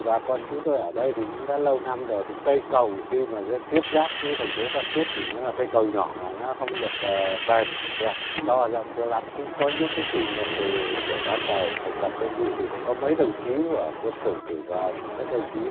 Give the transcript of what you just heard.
bà con chúng tôi ở đây thì cũng đã lâu năm rồi thì cây cầu khi liên tiếp giáp với thành phố phan thiết vì nó là cây cầu nhỏ mà nó không được bền đẹp to rộng cho lắm cũng có nhiều cái kỷ niệm từ buổi ban đầu thành lập đơn vị thì có mấy đồng chí của quân chủng gửi vào các đồng chí